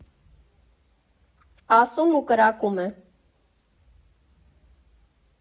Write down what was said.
Ասում ու կրակում է։